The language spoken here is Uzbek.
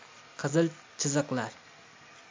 qizil chiziqlar